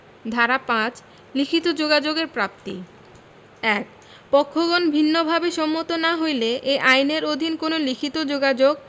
ধারা ৫ লিখিত যোগাযোগের প্রাপ্তি ১ পক্ষগণ ভিন্নভাবে সম্মত না হইলে এই আইনের অধীন কোন লিখিত যোগাযোগ